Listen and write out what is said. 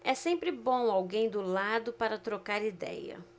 é sempre bom alguém do lado para trocar idéia